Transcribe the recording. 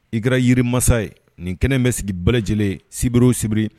I kɛra yiriman ye nin kɛnɛ bɛ sigi ba lajɛlen sibiriw sibiri